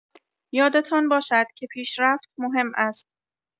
یادتان باشد که پیشرفت مهم است.